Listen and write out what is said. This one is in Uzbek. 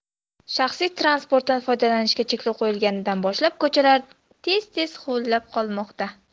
shaxsiy transportdan foydalanishga cheklov qo'yilganidan boshlab ko'chalar tez tez huvullab qolmoqda